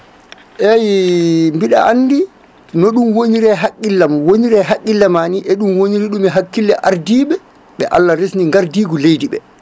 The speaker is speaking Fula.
eyyi mbiɗa andi no woniri e haqillam woniri e haqillema ni e ɗum woni ɗum e hakkille ardiɓe ɓe Allah resdi gardigu leydi ɓe